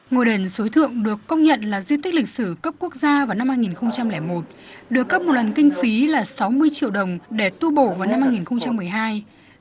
ngôi đền suối thượng được công nhận là di tích lịch sử cấp quốc gia vào năm hai nghìn không trăm lẻ một được cấp một lần kinh phí là sáu mươi triệu đồng để tu bổ vào năm hai nghìn không trăm mười hai